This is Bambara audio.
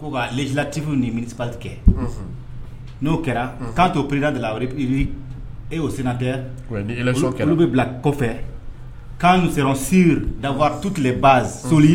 ko lejilatibi ni minip kɛ n'o kɛra k'a too pereda la e y'o sen tɛ n bɛ bila kɔfɛ k'si dawa tu tileba soli